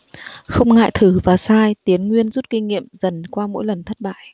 không ngại thử và sai tiến nguyên rút kinh nghiệm dần qua mỗi lần thất bại